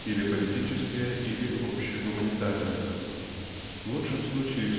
или политическая, или общегуманитарная в лучшем случае